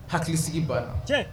Hakilisigi banna tiɲɛ